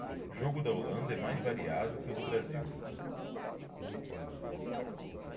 jogo da holanda é mais variado que o do brasil